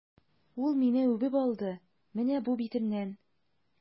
Ул мине үбеп алды, менә бу битемнән!